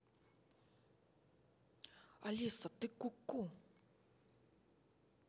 алиса ты ку ку